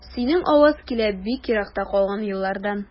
Синең аваз килә бик еракта калган еллардан.